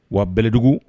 Wa bɛlɛdugu